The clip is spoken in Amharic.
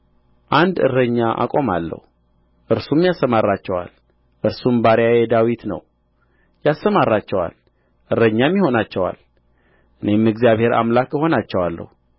አንድ እረኛ አቆማለሁ እርሱም ያሰማራቸዋል እርሱም ባሪያዬ ዳዊት ነው ያሰማራቸዋል እረኛም ይሆናቸዋል እኔም እግዚአብሔር አምላክ እሆናቸዋለሁ